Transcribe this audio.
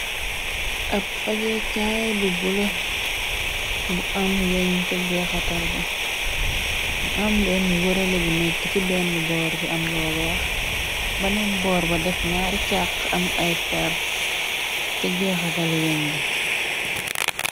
Ab fajeekaay bu bula bu am weñg ca jeexatal ba bu am benn wërale bu nekk ci benn boor bi am loo weex baneen boor ba def ñaari càq am ay per ca jeexatal weñg.